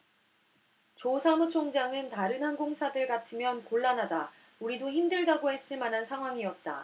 조 사무총장은 다른 항공사들 같으면 곤란하다 우리도 힘들다고 했을 만한 상황이었다